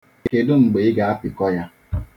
Kedụ mgbe ị ga-apịkọ ya?